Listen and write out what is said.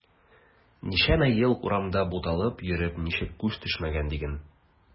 Ничәмә ел бер урамда буталып йөреп ничек күз төшмәгән диген.